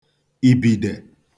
ìbìdè